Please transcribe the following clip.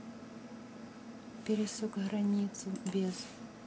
пересек границу без